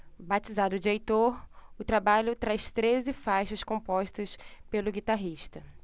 batizado de heitor o trabalho traz treze faixas compostas pelo guitarrista